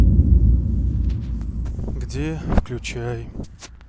где включай